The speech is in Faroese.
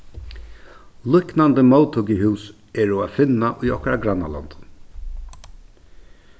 líknandi móttøkuhús eru at finna í okkara grannalondum